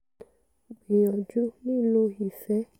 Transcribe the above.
Gbìyànjú lílo ìfẹ́.''